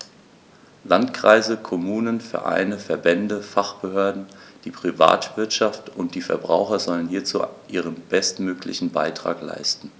Landkreise, Kommunen, Vereine, Verbände, Fachbehörden, die Privatwirtschaft und die Verbraucher sollen hierzu ihren bestmöglichen Beitrag leisten.